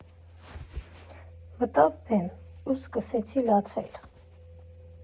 Մտավ բեմ ու սկսեցի լացել։